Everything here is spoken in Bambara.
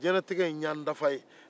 diɲɛlatigɛ ye ɲɔgɔndafa ye